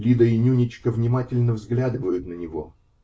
Лида и "Нюничка" внимательно взглядывают на него.